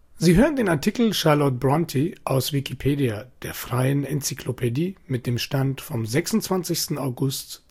Sie hören den Artikel Charlotte Brontë, aus Wikipedia, der freien Enzyklopädie. Mit dem Stand vom